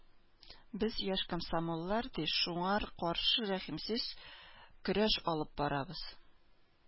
Без, яшь комсомоллар, ди, шуңар каршы рәхимсез көрәш алып барабыз.